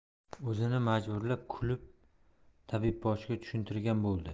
o'zini majburlab kulib tabibboshiga tushuntirgan bo'ldi